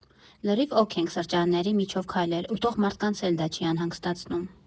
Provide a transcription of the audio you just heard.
Լրիվ օք ենք սրճարանների միջով քայլել, ուտող մարդկանց էլ դա չի անհանգստացնում։